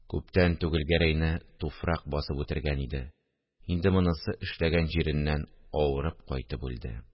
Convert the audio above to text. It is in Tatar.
– күптән түгел гәрәйне туфрак басып үтергән иде, инде монысы эшләгән җиреннән авырып кайтып үлде